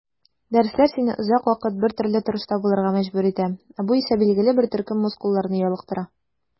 Дәресләр сине озак вакыт бертөрле торышта булырга мәҗбүр итә, ә бу исә билгеле бер төркем мускулларны ялыктыра.